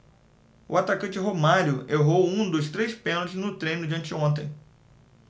o atacante romário errou um dos três pênaltis no treino de anteontem